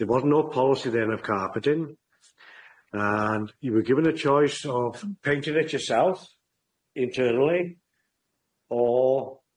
There was no policy then of carpeting, and you were given a choice of painting it yourself, internally, or